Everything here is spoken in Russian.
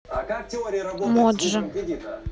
моджи